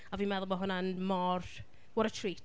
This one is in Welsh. A fi'n meddwl bod hwnna'n mor, what a treat.